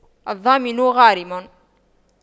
الضامن غارم